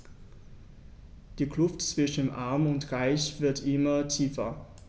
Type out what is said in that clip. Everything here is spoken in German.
Die Kluft zwischen Arm und Reich wird immer tiefer.